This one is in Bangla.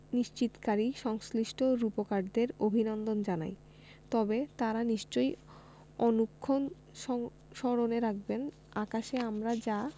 নিশ্চিতকারী সংশ্লিষ্ট রূপকারদের অভিনন্দন জানাই তবে তাঁরা নিশ্চয় অনুক্ষণ স্মরণে রাখবেন আকাশে আমরা যা